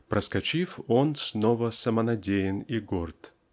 "проскочив", он снова самонадеян и горд".